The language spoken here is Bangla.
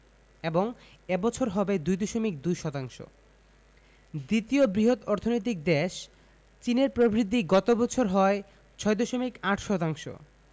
এবং এ বছর হবে ২.২ শতাংশ দ্বিতীয় বৃহৎ অর্থনৈতিক দেশ চীনের প্রবৃদ্ধি গত বছর হয় ৬.৮ শতাংশ